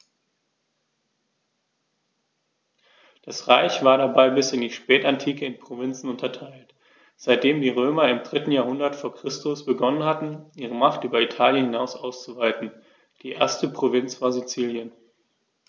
Das Reich war dabei bis in die Spätantike in Provinzen unterteilt, seitdem die Römer im 3. Jahrhundert vor Christus begonnen hatten, ihre Macht über Italien hinaus auszuweiten (die erste Provinz war Sizilien).